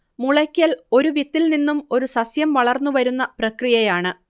മുളയ്ക്കൽഒരു വിത്തിൽനിന്നും ഒരു സസ്യം വളർന്നുവരുന്ന പ്രക്രിയയാണ്